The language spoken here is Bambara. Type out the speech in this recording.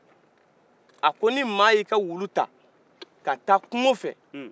a ko ni ma ye i ka wulu ta ka ta kunko fɛ nhun